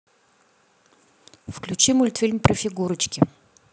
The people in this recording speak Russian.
включи мультфильм про фигурочки